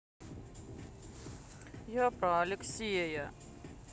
я про алексея